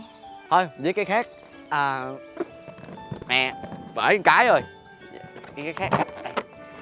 thôi viết cái khác ờ nè vỡ cái rồi viết cái khác